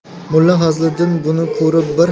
mulla fazliddin buni ko'rib